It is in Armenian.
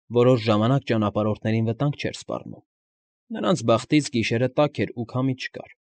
Որոշ ժամանակ ճանապարհորդներին վտանգ չէր սպառնում։ Նրանց բախտից գիշերը տաք էր ու քամի չկար։